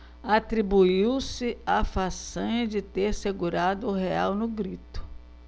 atribuiu-se a façanha de ter segurado o real no grito